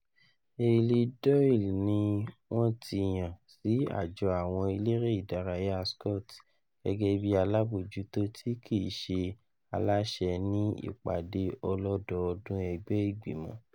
Eilidh Doyle ni wọn ti yan si ajọ Awọn Elere Idaraya Scott gẹgẹbi alabojuto ti kiiṣe alaṣẹ ni ipade ọlọdọọdun ẹgbẹ igbimọ.